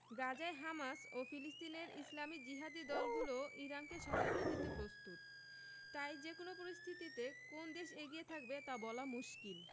গাজার হামাস ও ফিলিস্তিনের ইসলামি জিহাদি দলগুলোও ইরানকে সহায়তা দিতে প্রস্তুত তাই যেকোনো পরিস্থিতিতে কোন দেশ এগিয়ে থাকবে তা বলা মুশকিল